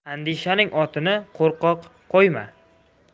andishaning otini qo'rqoq qo'yma